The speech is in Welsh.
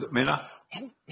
Menna?